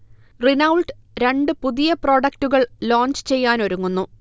Renault രണ്ട് പുതിയ പ്രൊഡക്ടുകൾ ലോഞ്ച് ചെയ്യാനൊരുങ്ങുന്നു